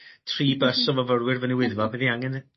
tri bys o myfyrwyr fyny Wyddfa by' ni angen e.